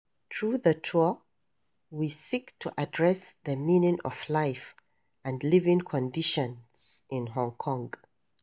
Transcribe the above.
Through the tour, we seek to address the meaning of life and living conditions in Hong Kong.